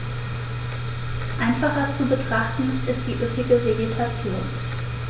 Einfacher zu betrachten ist die üppige Vegetation.